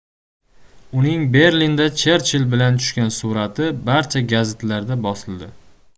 uning berlinda cherchill bilan tushgan surati barcha gazitlarda bosildi